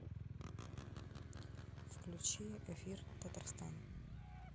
включи эфир татарстан